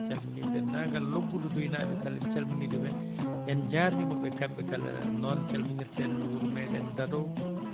en calminii denndaangal Lobbudo Mboy naaɓe kala en calminii ɗumen en njaarniima ɗumen kamɓe kala noon calminirten wuro meeɗen Dadow